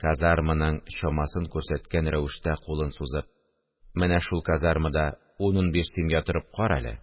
Казарманың чамасын күрсәткән рәвештә кулын сузып: – Менә шул казармада ун-унбиш семья торып кара әле!